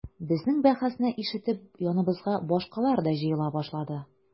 Безнең бәхәсне ишетеп яныбызга башкалар да җыела башлады.